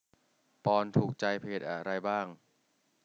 ปอนด์ถูกใจเพจอะไรบ้าง